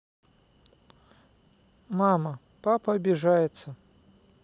мама папа обижается